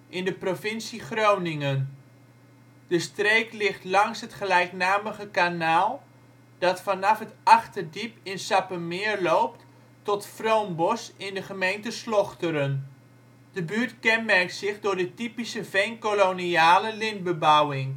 in de provincie Groningen. De streek ligt langs het gelijknamige kanaal, dat vanaf het Achterdiep in Sappemeer loopt tot Froombosch in de gemeente Slochteren. De buurt kenmerkt zich door de typische veenkoloniale lintbebouwing